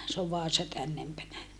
se on Vaasa tännempänä